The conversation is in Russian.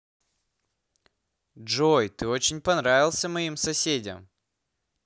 джой ты очень понравился моим соседям